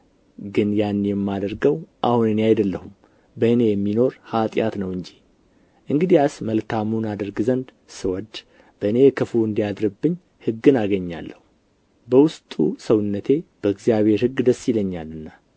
ግን ያን የማደርገው አሁን እኔ አይደለሁም በእኔ የሚኖር ኃጢአት ነው እንጂ እንግዲያስ መልካሙን አደርግ ዘንድ ስወድ በእኔ ክፉ እንዲያድርብኝ ሕግን አገኛለሁ በውስጡ ሰውነቴ በእግዚአብሔር ሕግ ደስ ይለኛልና